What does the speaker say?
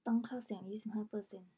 ตั้งค่าเสียงยี่สิบห้าเปอร์เซนต์